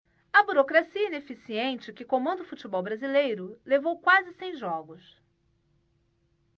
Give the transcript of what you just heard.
a burocracia ineficiente que comanda o futebol brasileiro levou quase cem jogos